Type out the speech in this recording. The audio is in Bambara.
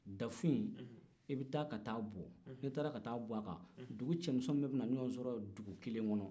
dafu in i bɛ taa bɔ dugu cɛmisinw bɛɛ b'i ɲɔgɔn sɔrɔ dugu kelen kɔnɔ